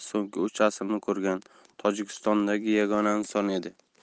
so'nggi uch asrni ko'rgan tojikistondagi yagona inson edi